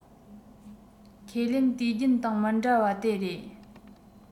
ཁས ལེན དུས རྒྱུན དང མི འདྲ བ དེ རེད